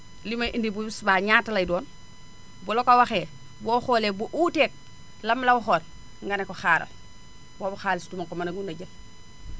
li may indi bu subaa ñaata lay doon bu la ko waxee boo xoolee bu uuteeg la mu la waxoon nga ne ko xaaral boobu xaalis duma ko mën a gum a jël